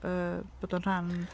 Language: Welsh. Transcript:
yy, bod o'n rhan...